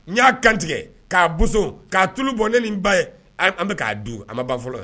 N y'a kantigɛ k'a boson k'a tulu bɔ ne ni n ba ye ab an be k'a dun a ma ban fɔlɔ y